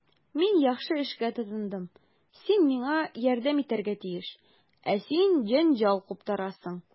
Мин яхшы эшкә тотындым, син миңа ярдәм итәргә тиеш, ә син җәнҗал куптарасың.